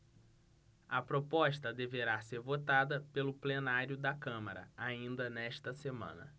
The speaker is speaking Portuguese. a proposta deverá ser votada pelo plenário da câmara ainda nesta semana